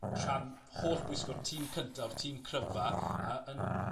rhan hollbwysig o'r tîm cynta o'r tîm cryfa a yn